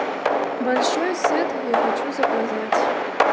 большой сет я хочу заказать